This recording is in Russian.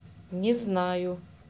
не знаю